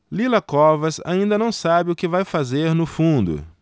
lila covas ainda não sabe o que vai fazer no fundo